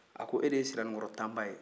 a ko e de ye siranikɔrɔ tamba ye